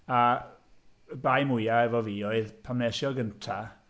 A y bai mwyaf efo fi oedd pan wnes i o gyntaf...